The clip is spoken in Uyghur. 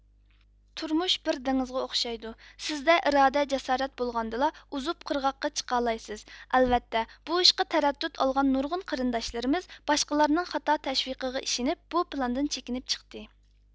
تۇرمۇش بىر دېڭىزغا ئوخشايدۇ سىزدە ئىرادە جاسارەت بولغاندىلا ئۇزۇپ قىرغاققا چىقالايسىز ئەلۋەتتە بۇ ئىشقا تەرەددۈت ئالغان نۇرغۇن قېرىنداشلىرىمىز باشقىلارنىڭ خاتا تەشۋىقىغا ئىشىنىپ بۇ پىلاندىن چىكىنىپ چىقتى